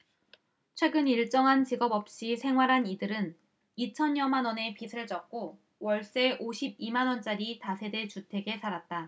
최근 일정한 직업 없이 생활한 이들은 이 천여만원의 빚을 졌고 월세 오십 이 만원짜리 다세대 주택에서 살았다